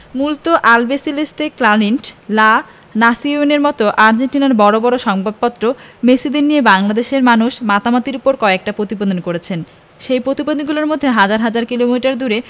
Mundo Albiceleste Clarin La Nacion র মতো আর্জেন্টিনার বড় বড় সংবাদপত্র মেসিদের নিয়ে বাংলাদেশের মানুষের মাতামাতির ওপর কয়েকটা প্রতিবেদন করেছে সেই প্রতিবেদনগুলোর মাধ্যমেই হাজার হাজার কিলোমিটার দূরে